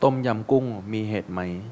ต้มยำกุ้งมีเห็ดไหม